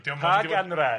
Pa ganran?